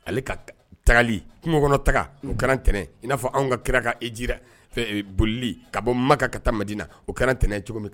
Ale ka tagali kungokɔnɔtaa o kɛra t in n'a anw ka kira ka eji bolili ka bɔ maka ka taa ma di na o kɛra ntɛnɛn cogo min